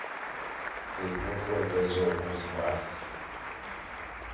ты глухой козел кузбасс